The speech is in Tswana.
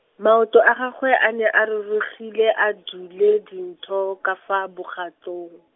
maoto a gagwe a ne a rurugile a dule dintho ka fa bogatong.